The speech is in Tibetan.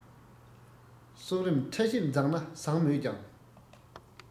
གསོག རིམ ཕྲ ཞིབ མཛངས ན བཟང མོད ཀྱང